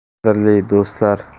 qadrli do'stlar